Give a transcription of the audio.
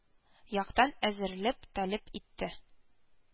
Яктан әзерлек таләп итте